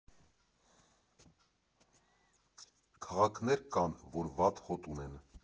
Քաղաքներ կան, որ վատ հոտ ունեն։